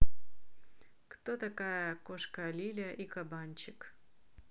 кто такая кошка лиля и кабанчик